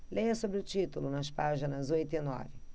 leia sobre o título nas páginas oito e nove